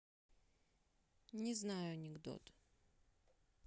не знаю анекдот